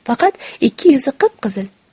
faqat ikki yuzi qip qizil